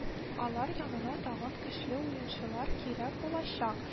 Алар янына тагын көчле уенчылар кирәк булачак